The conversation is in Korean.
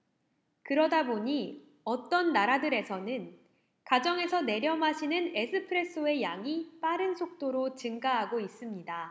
그러다 보니 어떤 나라들에서는 가정에서 내려 마시는 에스프레소의 양이 빠른 속도로 증가하고 있습니다